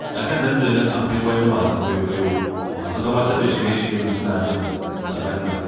A kan dandalin akwai wani wasan kwaikwayo, masu gabatar da shirye-shirye suna jin "Saɓannah"